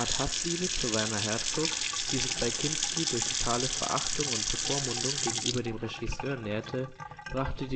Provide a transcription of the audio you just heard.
Hass-Liebe zu Werner Herzog, die sich bei Kinski durch totale Verachtung und Bevormundung gegenüber dem Regisseur nährte, brachte